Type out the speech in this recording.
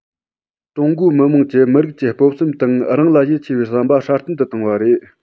ཀྲུང གོའི མི དམངས ཀྱི མི རིགས ཀྱི སྤོབས སེམས དང རང ལ ཡིད ཆེས པའི བསམ པ སྲ བརྟན དུ བཏང བ རེད